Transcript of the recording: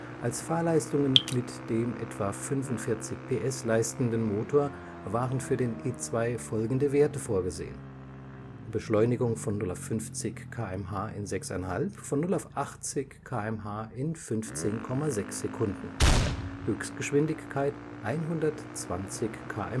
Als Fahrleistungen mit dem etwa 32 kW/45 PS leistenden Motor waren für den E2 folgende Werte vorgesehen: Beschleunigung von 0 auf 50 km/h in 6,5, von 0 auf 80 km/h in 15,6 Sekunden, Höchstgeschwindigkeit 120 km/h